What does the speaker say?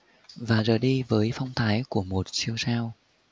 và rời đi với phong thái của một siêu sao